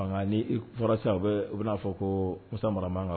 Ni fɔra sisan u u bɛ'a fɔ ko kusa mara man kan